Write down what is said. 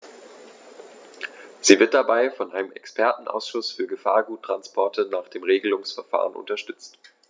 Sie wird dabei von einem Expertenausschuß für Gefahrguttransporte nach dem Regelungsverfahren unterstützt.